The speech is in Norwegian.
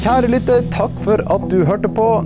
kjære lytter takk for at du hørte på.